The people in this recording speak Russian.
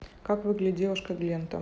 как выглядит девушка глента